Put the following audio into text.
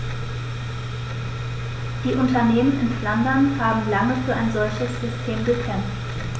Die Unternehmen in Flandern haben lange für ein solches System gekämpft.